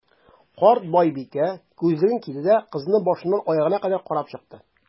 Карт байбикә, күзлеген киде дә, кызны башыннан аягына кадәр карап чыкты.